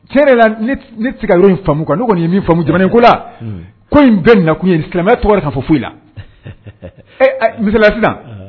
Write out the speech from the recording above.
Tiɲɛ la ne se faamumu kan kɔni ye min famu jamana kola ko in bɛɛ nakun ye silamɛ tɔgɔ ka fɔ foyi la mi